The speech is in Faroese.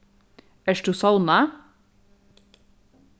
ert tú sovnað